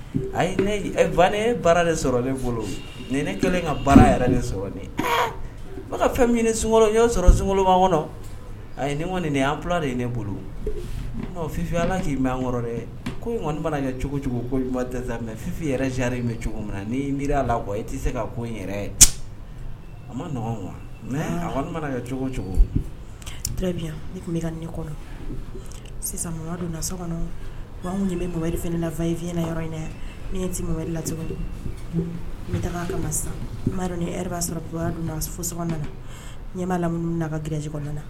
A fa baara sɔrɔ ne nin ne kelen ka baara yɛrɛ ne sɔrɔ ne n ka fɛn ɲinin sun y' sɔrɔ nkolon ma kɔnɔ nin kɔni de ne bolo ala k'i bɛ kɔrɔ dɛ ko kɔni mana cogo cogo ko mɛ fi yɛrɛri mɛn cogo min ni mi' a la bɔ e tɛ se ka ko yɛrɛ a ma nɔgɔ mɛ a mana cogo cogourabiya ne tun bɛ ka ne kɔnɔ sisan donna so kɔnɔ anw bɛ mo wɛrɛri ne na fɔ yeiinɛ yɔrɔ in ni ti ma wɛrɛ la n bɛ taa ka sisan ni e b'a sɔrɔ na ɲɛ' lam na gsi na